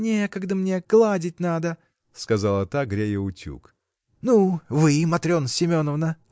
— Некогда мне: гладить надо, — сказала та, грея утюг. — Ну вы, Матрена Семеновна?